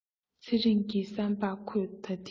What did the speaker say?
ཚེ རིང གི བསམ པར ཁོས ད ཐེངས